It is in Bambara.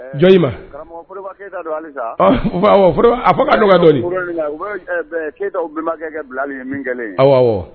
Jɔnbakɛ kɛlen aw